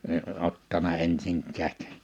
en ottanut ensinkään